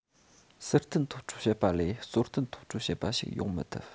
སྲིད བསྟུན ཐོབ སྤྲོད བྱེད པ ལས རྩོལ བསྟུན ཐོབ སྤྲོད བྱེད པ ཞིག ཡོང མི ཐུབ